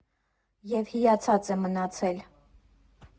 ԵՒ հիացած է մնացել։